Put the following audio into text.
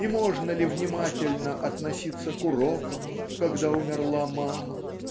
И можно ли внимательно относиться к урокам, когда умерла мама?